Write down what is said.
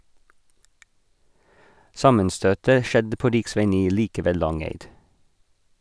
Sammenstøtet skjedde på riksvei 9 like ved Langeid.